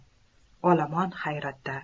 olomon hayratda